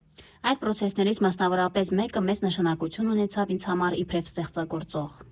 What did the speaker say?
Այդ պրոցեսներից մասնավորապես մեկը մեծ նշանակություն ունեցավ ինձ համար իբրև ստեղծագործող։